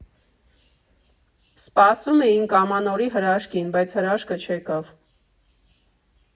Սպասում էինք Ամանորի հրաշքին, բայց հրաշքը չեկավ։